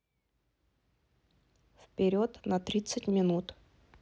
вперед на тридцать минут